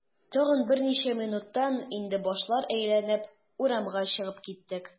Тагын берничә минуттан инде башлар әйләнеп, урамга чыгып киттек.